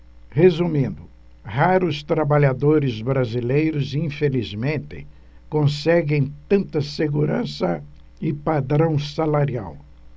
resumindo raros trabalhadores brasileiros infelizmente conseguem tanta segurança e padrão salarial